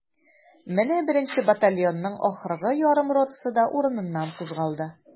Менә беренче батальонның ахыргы ярым ротасы да урыныннан кузгалды.